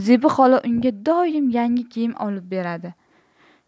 zebi xola unga doim yangi kiyim olib beradi